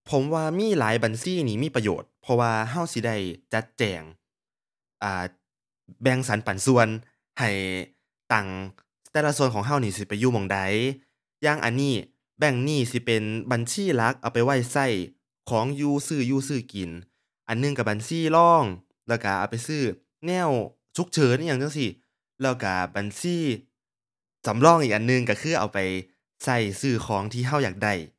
ผมว่ามีหลายบัญชีนี่มีประโยชน์ เพราะว่าเราสิได้จัดแจง อ่า แบ่งสรรปันส่วน ให้ตังค์แต่ละส่วนของเรานี่สิไปอยู่หม้องใด อย่างอันนี้แบงก์นี้สิเป็น บัญชีหลักเอาไปไว้เรา ของอยู่ซื้ออยู่ซื้อกิน อันหนึ่งเราบัญชีรอง แล้วเราเอาไปซื้อแนวฉุกเฉินอิหยังจั่งซี้ แล้วเราบัญชีสำรองอีกอันหนึ่งเราคือเอาไปเราซื้อของที่เราอยากได้